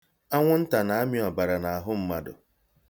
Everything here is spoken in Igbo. Anwụnta na-amị ọbara n'ahụ mmadụ.